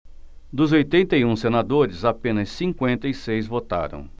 dos oitenta e um senadores apenas cinquenta e seis votaram